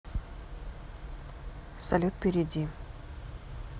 салют перейди